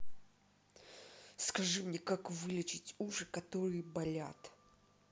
скажи мне как вылечить уши которые болят